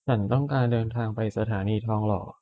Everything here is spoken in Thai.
ฉันต้องการเดินทางไปสถานีทองหล่อ